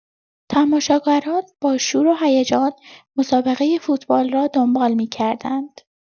تماشاگران با شور و هیجان مسابقۀ فوتبال را دنبال می‌کردند.